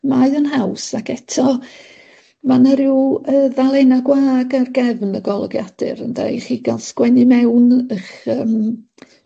mae yn haws ac eto ma' 'na ryw yy ddalenna gwag ar gefn y golygiadur ynde i chi ga'l sgwennu mewn 'ych yym